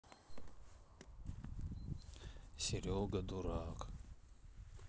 серега дурак